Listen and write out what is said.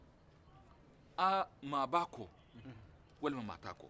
aaa maa b'a kɔ walima maa t'a kɔ